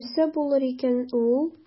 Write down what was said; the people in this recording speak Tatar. Нәрсә булыр икән ул?